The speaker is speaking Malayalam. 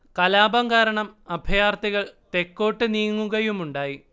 കലാപം കാരണം അഭയാർത്ഥികൾ തെക്കോട്ട് നീങ്ങുകയുമുണ്ടായി